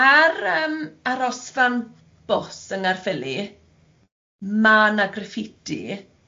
Ar yym arosfan bws yng Nghaerffili, ma' 'na graffiti.